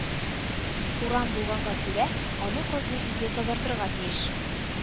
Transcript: Урам булганга күрә, аны казый үзе тазартырга тиеш,